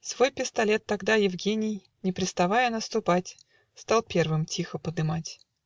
Свой пистолет тогда Евгений, Не преставая наступать, Стал первый тихо подымать.